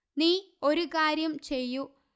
നീ ഒരു കാര്യം ചെയ്യു